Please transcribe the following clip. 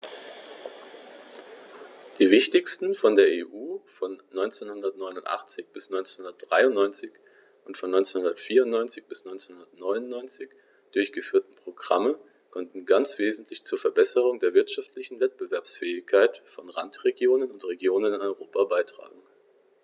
Die wichtigsten von der EU von 1989 bis 1993 und von 1994 bis 1999 durchgeführten Programme konnten ganz wesentlich zur Verbesserung der wirtschaftlichen Wettbewerbsfähigkeit von Randregionen und Regionen in Europa beitragen.